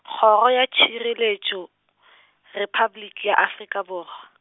Kgoro ya Tšhireletšo , Repabliki ya Afrika Borwa.